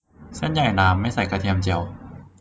เส้นใหญ่น้ำไม่ใส่กระเทียมเจียว